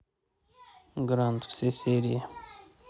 гранд все серии